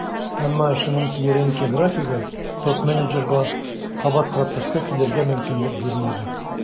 Әмма эшенең киеренке графигы топ-менеджерга кабат процесска килергә мөмкинлек бирмәде.